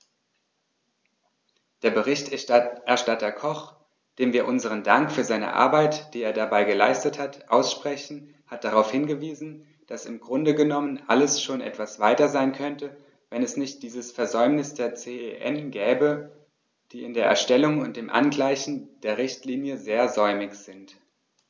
Der Berichterstatter Koch, dem wir unseren Dank für seine Arbeit, die er dabei geleistet hat, aussprechen, hat darauf hingewiesen, dass im Grunde genommen alles schon etwas weiter sein könnte, wenn es nicht dieses Versäumnis der CEN gäbe, die in der Erstellung und dem Angleichen der Richtlinie sehr säumig sind.